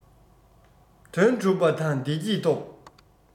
དོན གྲུབ པ དང བདེ སྐྱིད འཐོབ